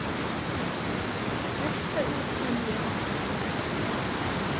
hetta útsýnið er einki serligt